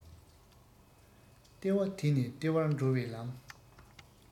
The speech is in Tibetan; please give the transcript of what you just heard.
ལྟེ བ དེ ནས ལྟེ བར འགྲོ བའི ལམ